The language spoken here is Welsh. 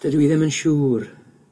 Dydw i ddim yn siŵr